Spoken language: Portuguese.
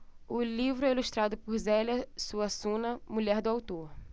o livro é ilustrado por zélia suassuna mulher do autor